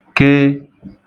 k